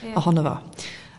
ohono fo